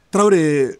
Tarawelew de